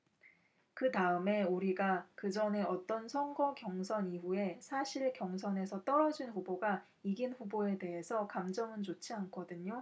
그다음에 우리가 그 전에 어떤 선거 경선 이후에 사실 경선에서 떨어진 후보가 이긴 후보에 대해서 감정은 좋지 않거든요